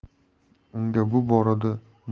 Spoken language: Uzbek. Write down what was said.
unga bu borada monako